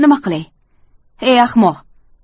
nima qilay ey ahmoq